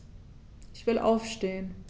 Ich will aufstehen.